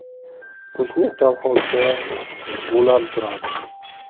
qo'shni kolxozda bo'lam turadi